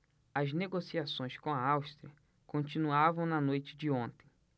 as negociações com a áustria continuavam na noite de ontem